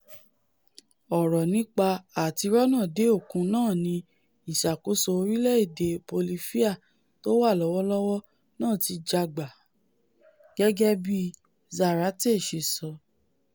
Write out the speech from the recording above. “Ọ̀rọ̀ nípa àtirọ́nàde òkun náà ni ìṣàkóso orílẹ̀-èdè Bolifia tówà lọ́wọ́lọ́wọ́ náà ti já gbà,'' gẹgẹ bíi Zárate ṣe sọ.